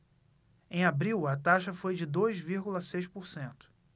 em abril a taxa foi de dois vírgula seis por cento